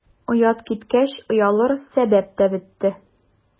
Оят киткәч, оялыр сәбәп тә бетте.